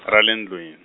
ra le ndlwin-.